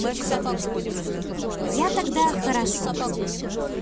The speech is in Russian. я тогда хорошо